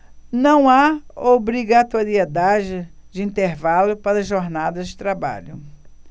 não há obrigatoriedade de intervalo para jornadas de trabalho